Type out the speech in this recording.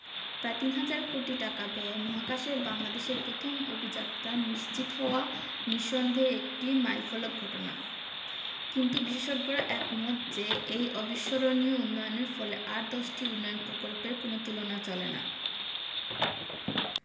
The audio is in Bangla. প্রায় তিন হাজার কোটি টাকা ব্যয়ে মহাকাশে বাংলাদেশের প্রথম অভিযাত্রা নিশ্চিত হওয়া নিঃসন্দেহে একটি মাইলফলক ঘটনা কিন্তু বিশেষজ্ঞরা একমত যে এই অবিস্মরণীয় উন্নয়নের ফলে আর দশটি উন্নয়ন প্রকল্পের কোনো তুলনা চলে না